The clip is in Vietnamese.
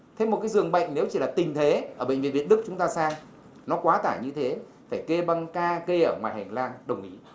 thêm một cái giường bệnh nếu chỉ là tình thế ở bệnh viện việt đức chúng ta sai nó quá tải như thế phải kê băng ca kê ở ngoài hành lang đồng ý